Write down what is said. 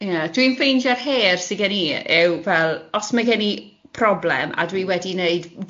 Ie, dwi'n ffeindio'r her sy' gen i yw fel, os mae gen i problem, a dwi wedi 'neud,